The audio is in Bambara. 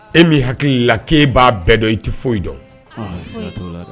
E min' hakili la k'e b'a bɛɛ dɔn i tɛ foyi dɔn